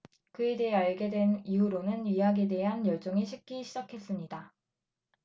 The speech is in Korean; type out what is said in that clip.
그에 대해 알게 된 이후로는 의학에 대한 열정이 식기 시작했습니다